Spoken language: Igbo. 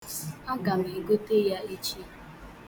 Aga m egote ya echi.